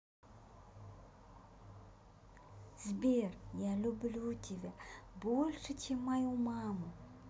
сбер я люблю тебя больше чем мою маму